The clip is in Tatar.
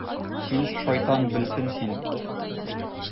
Син, шайтан белсен сине...